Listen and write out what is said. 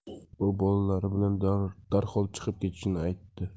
u bolalari bilan darhol chiqib ketishini aytadi